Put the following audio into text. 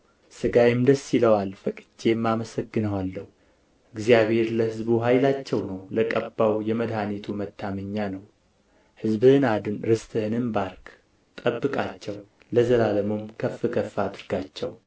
ሥጋዬም ደስ ይለዋል ፈቅጄም አመሰግነዋለሁ እግዚአብሔር ለሕዝቡ ኃይላቸው ነው ለቀባውም የመድኃኒቱ መታመኛ ነው ሕዝብህን አድን ርስትህንም ባርክ ጠብቃቸው ለዘላለሙም ከፍ ከፍ አድርጋቸው